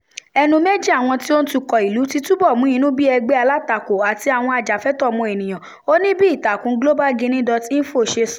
Ẹnu méjì àwọn tí ó ń tukọ̀ ìlú ti túbọ̀ mú inú bí ẹgbẹ́ alátakò àti àwọn àjàfẹ́tọ̀ọ́ ọmọnìyàn, ó ní bí ìtakùn globalguinee.info ṣe sọ: